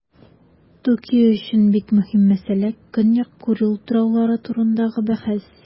Токио өчен бик мөһим мәсьәлә - Көньяк Курил утраулары турындагы бәхәс.